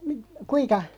- kuinka